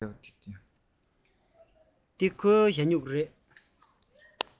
འདི ཁོའི ཞ སྨྱུག རེད པས